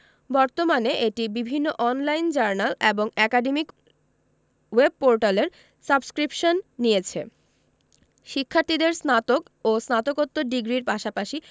বর্তমানে এটি বিভিন্ন অন লাইন জার্নাল এবং একাডেমিক ওয়েব পোর্টালের সাবস্ক্রিপশান নিয়েছে শিক্ষার্থীদের স্নাতক ও স্নাতকোত্তর ডিগ্রির পাশাপাশি